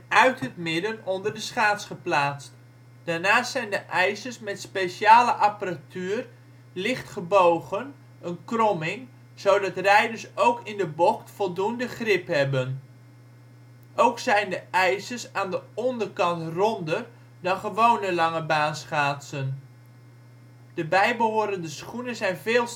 uit het midden onder de schaats geplaatst. Daarnaast zijn de ijzers met speciale apparatuur licht gebogen (' kromming '), zodat rijders ook in de bocht voldoende grip hebben. Ook zijn de ijzers aan de onderkant ronder dan ' gewone ' langebaanschaatsen. De bijbehorende schoenen zijn veel steviger